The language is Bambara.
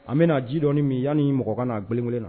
A bɛna na ji dɔnɔni min yan ni mɔgɔ kana na gɛlɛnkelen na